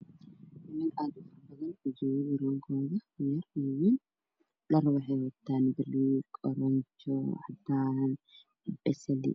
Niman aada u badan oo ku jiraan niman waaweyn waxay wataan dhar caddaan cagaar gaduud basali